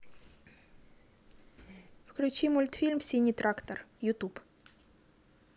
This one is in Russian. включи мультфильм синий трактор ютуб